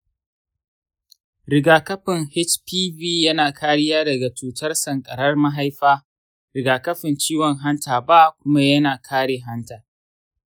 rigakafin hpv yana kariya daga cutar sankarar mahaifa; rigakafin ciwon hanta b kuma yana kare hanta.